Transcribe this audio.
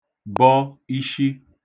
bọ ishi